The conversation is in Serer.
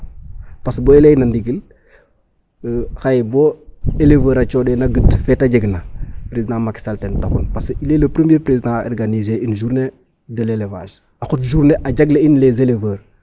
Parce que bo i layna ndigil xaye bo éleveur a cooxeena ged fe ta jegna président Macky Sall ten taxu parce que il est le premier président a organiser une journée de l' élevage a xot journée a jagle'in les éleveur.